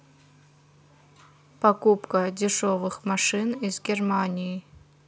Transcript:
покупка дешевых машин из германии